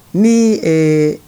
Ni